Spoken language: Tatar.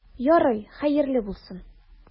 Ярый, хәерле булсын.